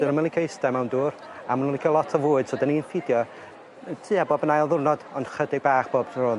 D'yn n'w'm yn licio ista mewn dŵr a ma' n'w'n licio lot o fwyd so dan ni'n ffidio yy tua bob yn ail ddiwrnod ond chydig bach bob tro ynde?